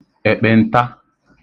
èkpènta